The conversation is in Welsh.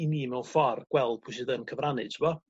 i ni mewn ffor gweld pwy sydd yn cyfrannu t'mo